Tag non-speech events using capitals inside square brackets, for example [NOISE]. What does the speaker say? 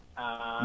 [HESITATION] [HESITATION]